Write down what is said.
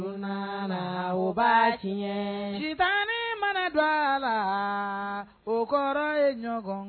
Batan ne mana don a la o kɔrɔ ye ɲɔgɔn